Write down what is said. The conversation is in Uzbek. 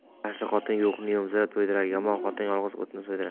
yaxshi xotin yo'qni yo'mzab to'ydirar yomon xotin yolg'iz otni so'ydirar